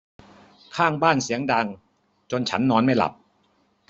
ข้างบ้านเสียงดังจนฉันนอนไม่หลับ